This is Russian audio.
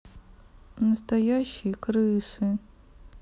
настоящие крысы